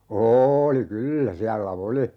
oli kyllä siellä oli